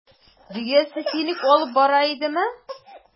Дөясе финик алып бара идеме?